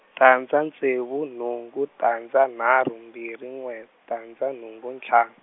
tandza ntsevu nhungu tandza nharhu mbirhi n'we tandza nhungu ntlhan-.